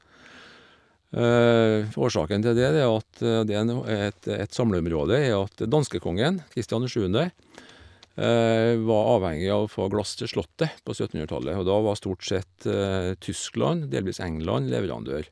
f Årsaken til det, det er jo at det nå er et et samleområde, er jo at danskekongen, Christian den sjuende, var avhengig av å få glass til slottet på søttenhundretallet, og da var stort sett Tyskland, delvis England, leverandør.